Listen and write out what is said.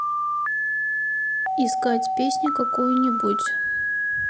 искать песню какую нибудь